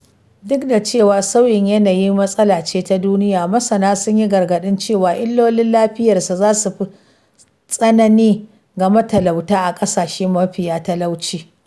Duk da cewa sauyin yanayi matsala ce ta duniya, masana sun yi gargaɗin cewa illolin lafiyarsa za su fi tsanani ga matalauta a ƙasashe mafiya talauci.